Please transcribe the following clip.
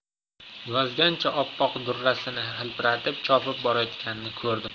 yozgancha oppoq durrasini hilpiratib chopib borayotganini ko'rdim